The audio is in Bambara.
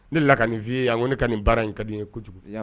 Ne la ka nin f'i ye yan ko ne ka nin baara in ka di ye kojugu